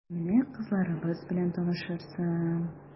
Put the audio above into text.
Менә кызларыбыз белән танышырсың...